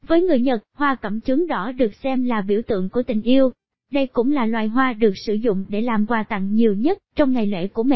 với người nhật hoa cẩm chướng đỏ được xem là biểu tượng của tình yêu cẩm chướng được sử dụng để làm quà tặng nhiều nhất trong ngày của mẹ